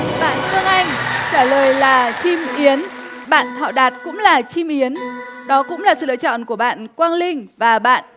phương anh trả lời là chim yến bạn thọ đạt cũng là chim yến đó cũng là sự lựa chọn của bạn quang linh và bạn